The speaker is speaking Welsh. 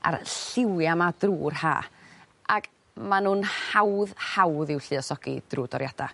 A'r lliwia' 'ma drw'r Ha ag ma' nw'n hawdd hawdd i'w lluosogi drw doriada.